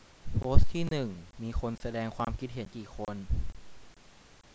โพสต์ที่หนึ่งมีคนแสดงความคิดเห็นกี่คน